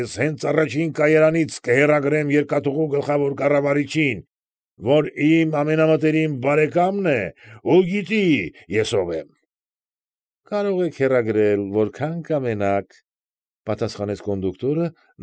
Ես հենց առաջին կայարանից կհեռագրեմ երկաթուղու գլխավոր կառավարչին, որ իմ ամենամտերիմ բարեկամն է ու գիտի ես ով եմ։ ֊ Կարոդ եք հեռագրել, որքան կամենաք,֊ պատասխանեց կոնդուկտորը,